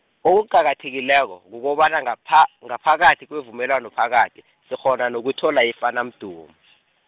okuqakathekileko, kukobana ngapha- ngaphakathi, kwevumelwano phakathi, sikghona nokuthola ifana mdumo.